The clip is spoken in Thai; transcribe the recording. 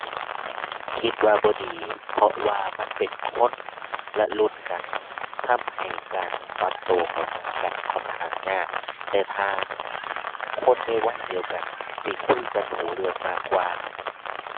คิดว่าบ่ดี เพราะว่ามันเป็นคนละรุ่นกัน ทำให้การปรับตัวเข้าหากันค่อนข้างยาก แต่ถ้าคนในวัยเดียวกัน สิคุยกันตัวเรื่องมากกว่า